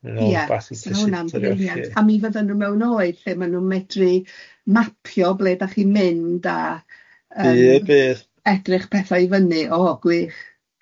Ie, so ma' hwnna'n brilliant, a mi fyddan nhw mewn oed lle maen nhw'n medru mapio ble dach chi'n mynd a yy... Bydd bydd. ...edrych pethau i fyny, o gwych.